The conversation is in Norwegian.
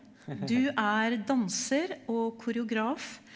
du er danser og koreograf.